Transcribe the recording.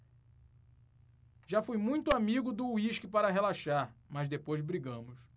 já fui muito amigo do uísque para relaxar mas depois brigamos